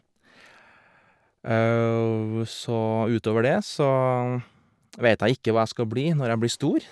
Så, utover det så vet jeg ikke hva jeg skal blir når jeg blir stor.